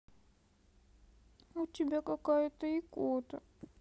у тебя какая то икота